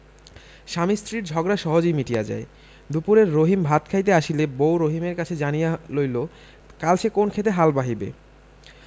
স্বামী স্ত্রীর ঝগড়া সহজেই মিটিয়া যায় দুপুরে রহিম ভাত খাইতে আসিলে বউ রহিমের কাছে জানিয়া লইল কাল সে কোন ক্ষেতে হাল বাহিবে